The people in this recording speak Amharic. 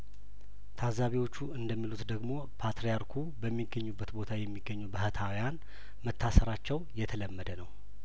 ታዛቢዎቹ እንደሚሉት ደግሞ ፓትርያርኩ በሚገኙበት ቦታ የሚገኙ ባህታውያን መታሰራቸው የተለመደ ነው